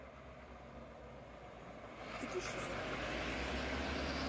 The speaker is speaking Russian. ты будешь разговаривать нет